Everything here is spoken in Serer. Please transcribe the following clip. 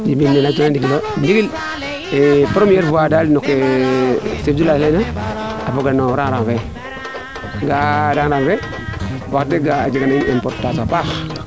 i Djiby ke leyoona ndigilo premier fois daal no ke chef du village a leyna a foga no raag rang fe ga'a rang rang fee wax deg a jega na in importance a paax